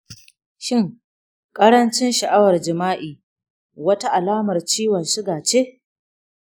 shin ƙaranci sha'awar jima'i wata alamar ciwon suga ce?